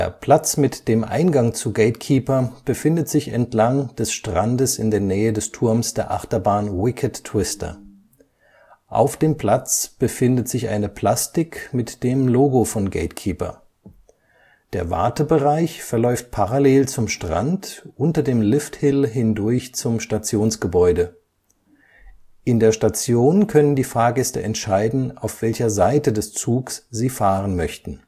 Platz mit dem Eingang zu GateKeeper befindet sich entlang des Strandes in der Nähe des Turms der Achterbahn Wicked Twister. Auf dem Platz befindet sich eine Plastik mit dem Logo von GateKeeper. Der Wartebereich verläuft parallel zum Strand, unter dem Lifthill hindurch zum Stationsgebäude. In der Station können die Fahrgäste entscheiden, auf welcher Seite des Zugs sie fahren möchten